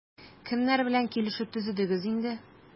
Кемнәр белән килешү төзедегез инде?